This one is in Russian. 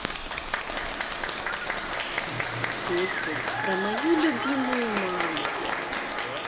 песня про мою любимую маму